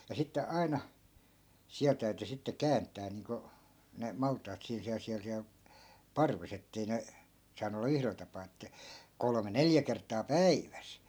ja sitten aina siellä täytyi sitten kääntää niin kuin ne maltaat siinä siellä siellä siellä parvessa että ei ne saanut olla yhdellä tapaa että kolme neljä kertaa päivässä